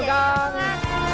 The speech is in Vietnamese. chúc mừng